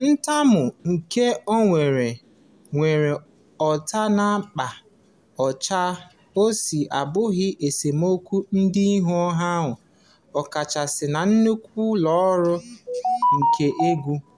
Ntamu nke onwe nwere etu na-akpa ọchị o si abụzị esemokwu dị n'ihu ọha — ọ kachasị na nnukwu ụlọọrụ nke égwú.